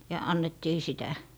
ja annettiin sitä